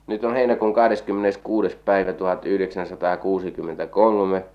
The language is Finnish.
nyt on heinäkuun kahdeskymmeneskuudes päivä tuhatyhdeksänsataakuusikymmentäkolme